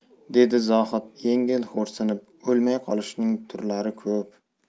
dedi zohid yengil xo'rsinib o'lmay qolishning turlari ko'p